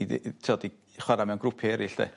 i fi i t'wod i chwara mewn grwpia' eryll 'de.